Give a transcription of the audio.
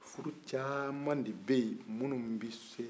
furu caman de bɛ yin minnu bɛ sa